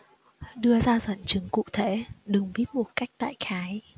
đưa ra dẫn chứng cụ thể đừng viết một cách đại khái